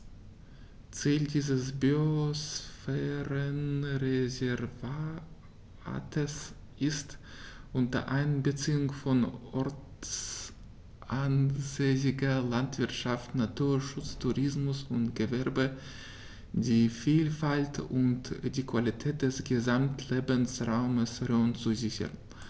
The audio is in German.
Ziel dieses Biosphärenreservates ist, unter Einbeziehung von ortsansässiger Landwirtschaft, Naturschutz, Tourismus und Gewerbe die Vielfalt und die Qualität des Gesamtlebensraumes Rhön zu sichern.